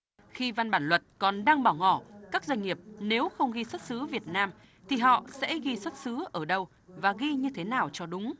khi văn bản luật còn đang bỏ ngỏ các doanh nghiệp nếu không ghi xuất xứ việt nam thì họ sẽ ghi xuất xứ ở đâu và ghi như thế nào cho đúng